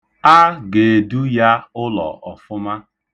A ga-edu ya ụlọ ọfụma.